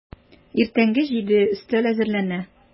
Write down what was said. Иртәнге җиде, өстәл әзерләнә.